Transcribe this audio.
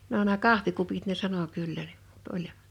no nämä kahvikupit ne sanoi kyllä niin mutta oli